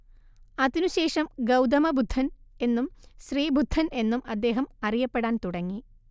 അതിനുശേഷം ഗൗതമബുദ്ധൻ എന്നും ശ്രീബുദ്ധൻ എന്നും അദ്ദേഹം അറിയപ്പെടാൻ തുടങ്ങി